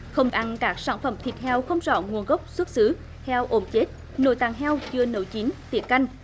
không ăn các sản phẩm thịt heo không rõ nguồn gốc xuất xứ theo ốm chết nội tạng heo chưa nấu chín tiết canh